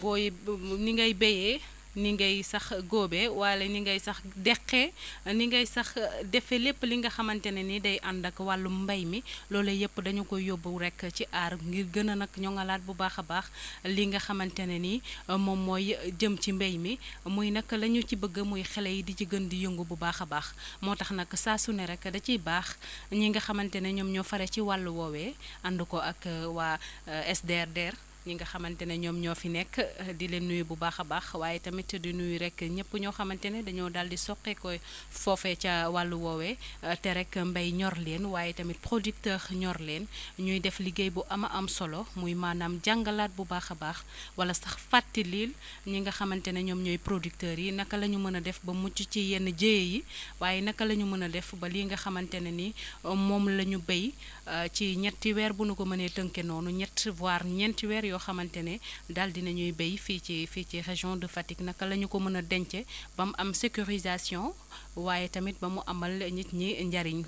booy ni ngay béyee ni ngay sax góobee wala ni ngay sax deqee ni ngay sax defee lépp li nga xamante ne ni day ànda ak wàllum mbay mi loolee yëpp dañu koy yóbbu rek ci aar ngir gën a nag ñoŋalaat bu baax a baax li nga xamante ne ni moom mooy jëm ci mbéy mi muy nag la ñu ci bëgg muy xale yi di ci gën di yëngu bu baax a baax moo tax nag saa su ne rek da ciy baax ñi nga xamante ne ñoom ñoo faree ci wàllu woowee ànd ko ak waa SDRDR ñi nga xamante ne ñoom ñoo fi nekk di leen nuyu bu baax a baax waaye tamit di nuyu rek ñëpp ñoo xamante ni dañoo daal di soqeekoo foofee ca wàllu woowee te rek mbay ñor leen waaye tamit producteurs ñor leen ñuy def liggéey bu am a am solo muy maanaam jàngalaat bu baax a baax wala sax fàttelil ñi nga xamante ni ñoom ñooy producteurs yi naka la ñu mën a def ba mucc ci yenn jéya yi waaye naka la ñu mën a def ba lii nga xamante ne ni moom la ñu béy ci ñetti weer bu nu ko mënee tënkee noonu ñett voire ñeenti weer yoo xamante ne daal di nañuy béy fii ci fii ci région de Fatick naka la ñu ko mën a dencee ba mu am sécurisation waaye tamit ba mu amal nit ñi njëriñ